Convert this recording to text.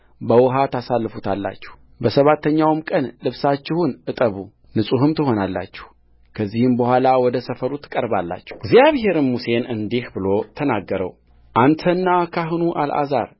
በውኃ ታሳልፉታላችሁበሰባተኛውም ቀን ልብሳችሁን እጠቡ ንጹሕም ትሆናላችሁ ከዚያም በኋላ ወደ ሰፈሩ ትቀርባላችሁእግዚአብሔርም ሙሴን እንዲህ ብሎ ተናገረውአንተና ካህኑ አልዓዛር